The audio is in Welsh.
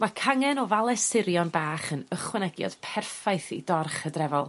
Ma' cangen o fale surion bach yn ychwanegiad perffaith i dorch Hydrefol.